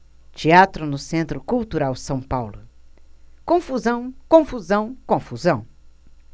teatro no centro cultural são paulo confusão confusão confusão